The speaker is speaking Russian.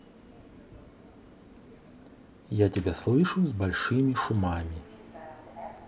я тебя слышу с большими шумами